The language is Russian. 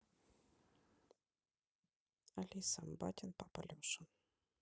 алиса батин папа леша